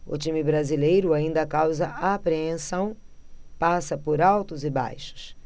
o time brasileiro ainda causa apreensão passa por altos e baixos